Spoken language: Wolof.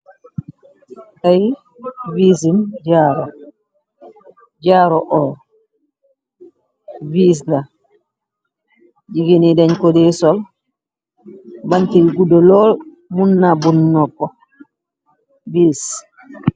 Ay wiisi jaru , jaru oór wiis la jigeen yi dañ ko dèè sol banti guddu lool mun da bunna nopuh siiw.